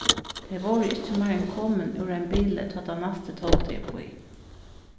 tey vóru ikki meir enn komin úr einum bili tá tann næsti tók tey uppí